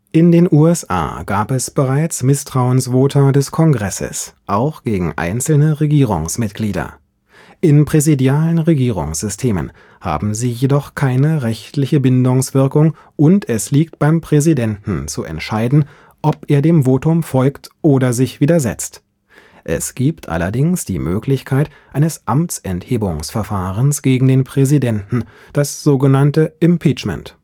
In den USA gab es bereits Misstrauensvota des Kongresses, auch gegen einzelne Regierungsmitglieder. In präsidialen Regierungssystemen haben sie jedoch keine rechtliche Bindungswirkung und es liegt beim Präsidenten zu entscheiden, ob er dem Votum folgt oder sich widersetzt. Es gibt allerdings die Möglichkeit eines Amtsenthebungsverfahrens gegen den Präsidenten, das sogenannte Impeachment